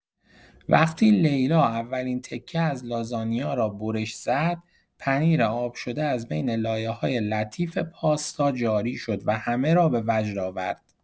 وقتی لیلا اولین تکه از لازانیا را برش زد، پنیر آب‌شده از بین لایه‌های لطیف پاستا جاری شد و همه را به وجد آورد.